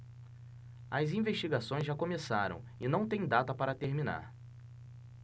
as investigações já começaram e não têm data para terminar